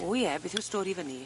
O ie beth yw'r stori fyn 'ny?